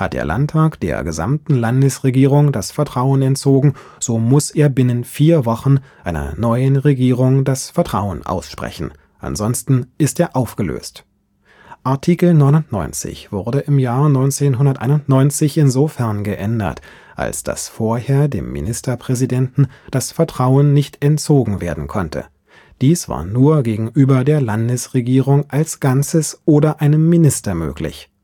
der Landtag der gesamten Landesregierung das Vertrauen entzogen, so muss er binnen vier Wochen einer neuen Regierung das Vertrauen aussprechen, ansonsten ist er aufgelöst. Artikel 99 wurde im Jahr 1991 insofern geändert, als dass vorher dem Ministerpräsidenten das Vertrauen nicht entzogen werden konnte; dies war nur gegenüber der Landesregierung als ganzes oder einem Minister möglich